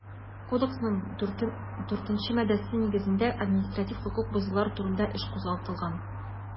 Кодексның 4 нче маддәсе нигезендә административ хокук бозулар турында эш кузгатылган.